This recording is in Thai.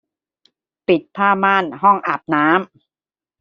ปิดผ้าม่านห้องอาบน้ำ